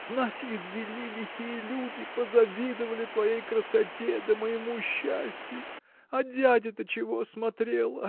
Знать, извели лихие люди, позавидовали твоей красоте да моему счастью! А дядя-то чего смотрел?